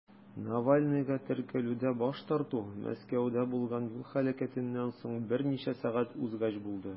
Навальныйга теркәлүдә баш тарту Мәскәүдә булган юл һәлакәтеннән соң берничә сәгать узгач булды.